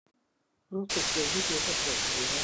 รู้สึกเดินนิดเดียวก็ปวดเข่าแล้ว